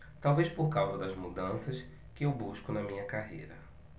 talvez por causa das mudanças que eu busco na minha carreira